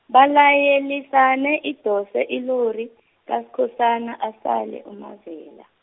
balayelisane idose ilori, kaSkhosana, asale uMavela.